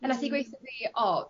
a nath 'i gweu' 'tho fi o